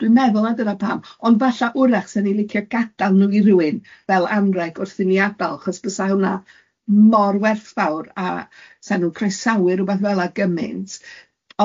Dwi'n meddwl, na dyna pam. Ond falla, wrach, sa ni'n licio gadael nhw i rywun fel anreg wrth i ni adael, achos bysa hwnna mor werthfawr, a sa nhw'n croesawu rywbeth fel yna gymint.